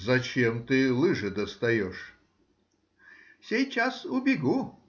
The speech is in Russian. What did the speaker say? — Зачем ты лыжи достаешь? — Сейчас убегу.